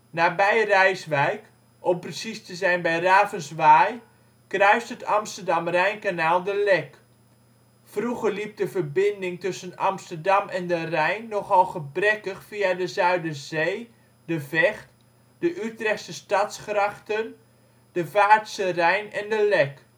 Nabij Rijswijk, om precies te zijn bij Ravenswaaij, kruist het Amsterdam-Rijnkanaal de Lek. Vroeger liep de verbinding tussen Amsterdam en de Rijn nogal gebrekkig via de Zuiderzee, de Vecht, de Utrechtse stadsgrachten, de Vaartse Rijn en de Lek